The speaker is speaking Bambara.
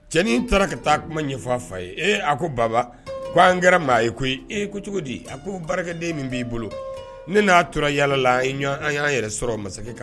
Cɛnin toaaa ka taa kuma ɲɛfɔ a fa ye ee a ko baba ko an kɛra maa ye koyi ee ko cogo di a ko barikaden min b'i bolo ne n'a tora yala la an y'a yɛrɛ sɔrɔ masakɛ kan